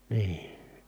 niin